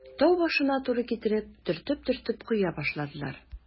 Тау башына туры китереп, төртеп-төртеп коя башладылар.